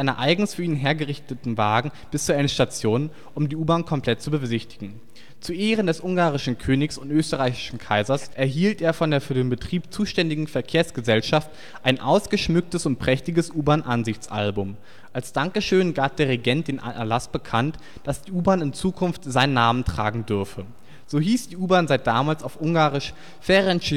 eigens für ihn hergerichteten Wagen bis zur Endstation, um die U-Bahn komplett zu besichtigen. Zu Ehren des ungarischen Königs und österreichischen Kaisers erhielt er von der für den Betrieb zuständigen Verkehrsgesellschaft ein ausgeschmücktes und prächtiges U-Bahn-Ansichtsalbum. Als Dankeschön gab der Regent den Erlass bekannt, dass die U-Bahn in Zukunft seinen Namen tragen dürfe. So hieß die U-Bahn seit damals auf ungarisch Ferencz